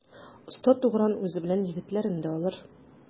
Оста Тугран үзе белән егетләрен дә алыр.